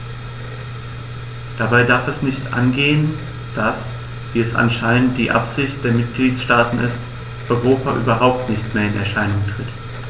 Dabei darf es nicht angehen, dass - wie es anscheinend die Absicht der Mitgliedsstaaten ist - Europa überhaupt nicht mehr in Erscheinung tritt.